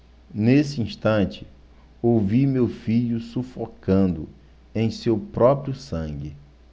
nesse instante ouvi meu filho sufocando em seu próprio sangue